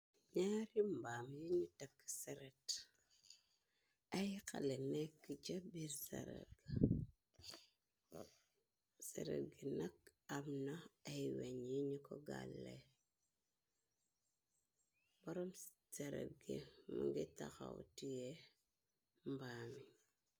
Ñaari mbaam yuñu tëkkë sarreed, ay xale nekk ca bir sareet ga, nakk am na ay weñ yi ñu ko gàllee boroom sareet go mu ngi taxaw tiyi mbaami.